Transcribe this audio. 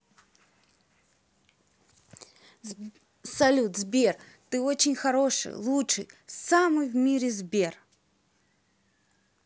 салют сбер ты очень хороший лучший самый в мире сбер